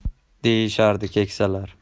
deyishardi keksalar